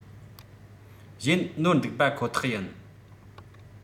གཞན ནོར འདུག པ ཁོ ཐག ཡིན